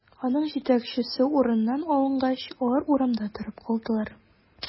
Аның җитәкчесе урыныннан алынгач, алар урамда торып калдылар.